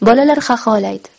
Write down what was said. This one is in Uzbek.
bolalar xaxolaydi